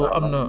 jërëjëf